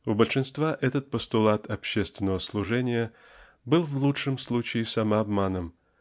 у большинства этот постулат общественного служения был в лучшем случае самообманом